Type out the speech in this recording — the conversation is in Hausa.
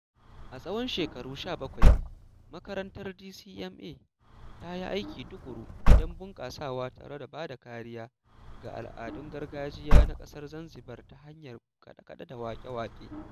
A tsawon shekaru 17, makarantar DCMA ta yi aiki tuƙuru don bunƙasawa tare da ba da kariya ga al'adun gargajiya na ƙasar Zanzibar ta hanyar kaɗe-kaɗe da waƙe-waƙe.